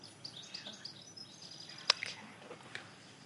Dioch. Oce?